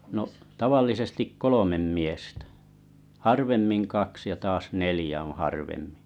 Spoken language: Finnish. no tavallisesti kolme miestä harvemmin kaksi ja taas neljä on harvemmin